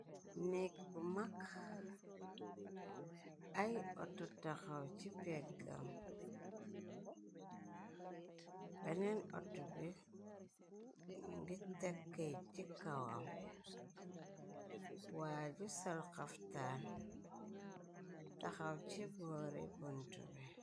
Néek bu mag ay auto taxaw ci peggam beneen auto bi ngir tekke loxo ci kawam waaye ju sal xaftaan taxaw ci boore bontu bi.